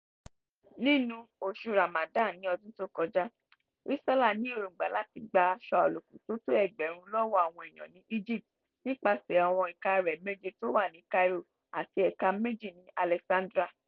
Nínú oṣù Ramadan ní ọdún tó kọjá (2007), Resala ní èròńgbà láti gba aṣọ àlòkù tó tó ẹgbẹ̀rún 100 lọ́wọ́ àwọn eèyàn ní Egypt nípasẹ̀ àwọn ẹ̀ka rẹ̀ 7 tó wà ní Cairo àti ẹ̀ka 2 ní Alexandria.